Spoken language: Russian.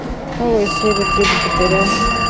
новые серии три богатыря